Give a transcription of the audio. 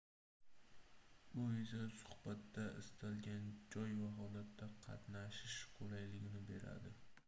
bu esa suhbatda istalgan joy va holatda qatnashish qulayligini beradi